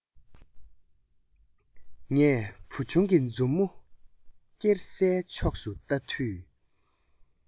ངས བུ ཆུང གི མཛུབ མོ ཀེར སའི ཕྱོགས སུ ལྟ དུས